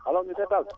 allo monsieur Tall